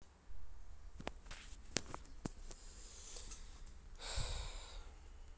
как тебе играть рейк